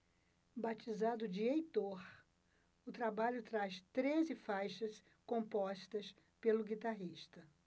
batizado de heitor o trabalho traz treze faixas compostas pelo guitarrista